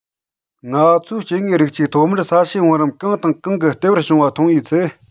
ང ཚོས སྐྱེ དངོས རིགས གཅིག ཐོག མར ས གཤིས བང རིམ གང དང གང གི ལྟེ བར བྱུང བ མཐོང བའི ཚེ